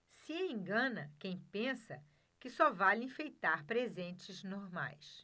se engana quem pensa que só vale enfeitar presentes normais